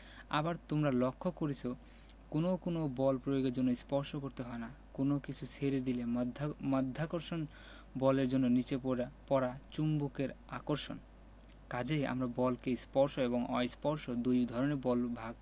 আবার তোমরা লক্ষ করেছ কোনো কোনো বল প্রয়োগের জন্য স্পর্শ করতে হয় না কোনো কিছু ছেড়ে দিলে মাধ্যাকর্ষণ বলের জন্য নিচে পড়া চুম্বকের আকর্ষণ কাজেই আমরা বলকে স্পর্শ এবং অস্পর্শ দুই ধরনের বল ভাগ